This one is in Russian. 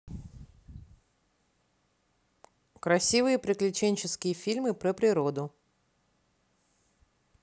красивые приключенческие фильмы про природу